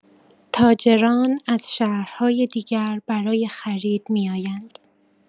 تاجران از شهرهای دیگر برای خرید می‌آیند.